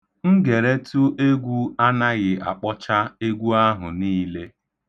Ngeretụ egwu anaghị akpọcha egwu ahụ niile.